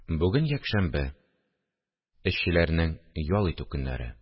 Бүген якшәмбе – эшчеләрнең ял итү көннәре